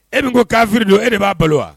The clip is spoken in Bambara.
E min ko kaffiri don e de b'a balo wa